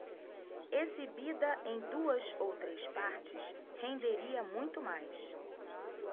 exibida em duas ou três partes renderia muito mais